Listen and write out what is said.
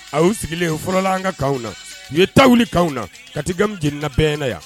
A y'u sigilen o fɔlɔlalan ka kan na u ye tawu kan na ka taga kamidina bɛɛna yan